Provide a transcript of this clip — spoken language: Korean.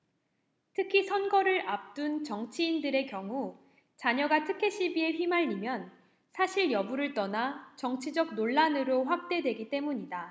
특히 선거를 앞둔 정치인들의 경우 자녀가 특혜시비에 휘말리면 사실여부를 떠나 정치적 논란으로 확대되기 때문이다